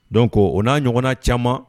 Don ko o n'a ɲɔgɔn na caman